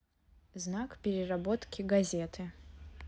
знак переработки газеты